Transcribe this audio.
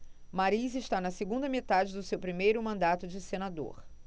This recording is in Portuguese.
mariz está na segunda metade do seu primeiro mandato de senador